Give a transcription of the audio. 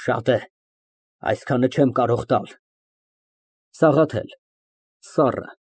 Շատ է, այսքանը չեմ կարող տալ։ ՍԱՂԱԹԵԼ ֊ (Սառն)